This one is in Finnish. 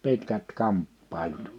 pitkät kamppailut